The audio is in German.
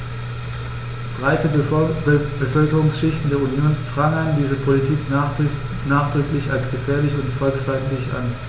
Breite Bevölkerungsschichten der Union prangern diese Politik nachdrücklich als gefährlich und volksfeindlich an.